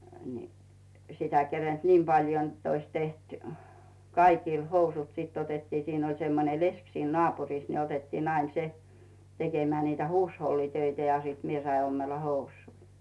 niin sitä kerinnyt niin paljon jotta olisi tehty kaikille housut sitten otettiin siinä oli semmoinen leski siinä naapurissa ne otettiin aina se tekemään niitä huushollitöitä ja sitten minä sain ommella housuja